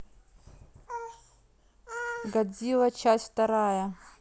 годзилла часть вторая